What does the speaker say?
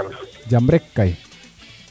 jam rekay